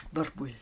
Fyrbwyll.